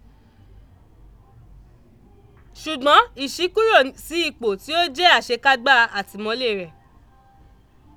ṣùgbọ́n ìṣíkúrò sí ipò tí ó jẹ́ àṣekágbá àtìmọ́lée rẹ̀.